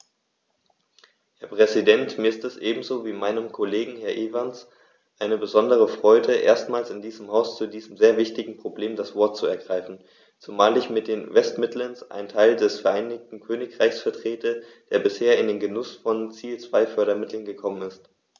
Herr Präsident, mir ist es ebenso wie meinem Kollegen Herrn Evans eine besondere Freude, erstmals in diesem Haus zu diesem sehr wichtigen Problem das Wort zu ergreifen, zumal ich mit den West Midlands einen Teil des Vereinigten Königreichs vertrete, der bisher in den Genuß von Ziel-2-Fördermitteln gekommen ist.